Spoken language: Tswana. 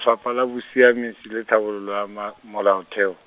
fapha la Bosiamisi le Tlhabololo ya Ma- Molaotheo.